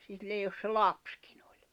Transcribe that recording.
sille jos se lapsikin oli